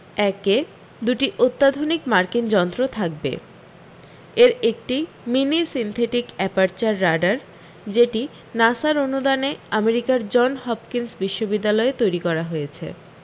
একে দুটি অত্যাধুনিক মার্কিন যন্ত্র থাকবে এর একটি মিনি সিন্থেটিক অ্যাপারচার রাডার যেটি নাসার অনুদানে আমেরিকার জন হপকিন্স বিশ্ববিদ্যালয়ে তৈরী করা হয়েছে